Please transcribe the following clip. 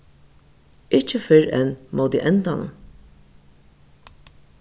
ikki fyrr enn móti endanum